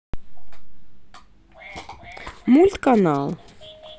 мульт канал